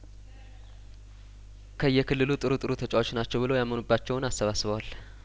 ከየክልሉ ጥሩ ጥሩ ተጨዋቾች ናቸው ብለው ያመኑባቸውን አሰባስበዋል